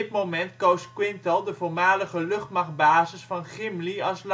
moment koos Quintal de voormalige luchtmachtbasis van Gimli als landingsplaats